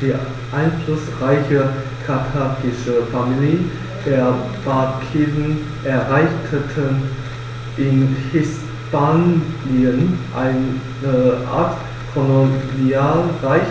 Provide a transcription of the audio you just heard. Die einflussreiche karthagische Familie der Barkiden errichtete in Hispanien eine Art Kolonialreich,